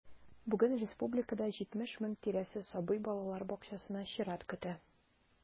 Бүген республикада 70 мең тирәсе сабый балалар бакчасына чират көтә.